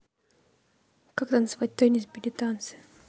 как танцевать танец были танцы